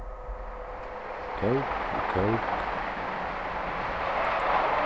tók og kók